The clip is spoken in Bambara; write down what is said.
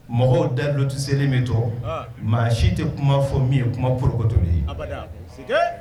Mɔgɔw dalutu selenlen bɛ to maa si tɛ kuma fɔ min ye kuma porokoto ye